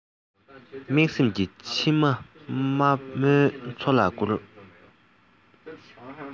སྨྲེངས སེམས ཀྱི མཆི མ དམའ མོའི མཚོ ལ བསྐུར